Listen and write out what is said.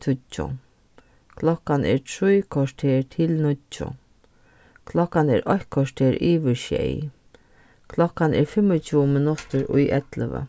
tíggju klokkan er trý korter til níggju klokkan er eitt korter yvir sjey klokkan er fimmogtjúgu minuttir í ellivu